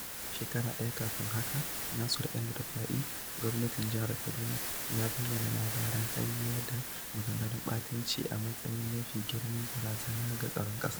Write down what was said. Shekara ɗaya kafin haka, Nasir El-Rufa'I, gwamnan jihar Kaduna, ya bayyana labaran ƙarya da maganganun ɓatanci a matsayin "mafi girman barazana" ga tsaron ƙasa.